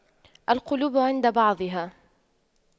القلوب عند بعضها